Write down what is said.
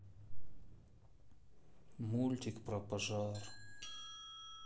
мультик про пожар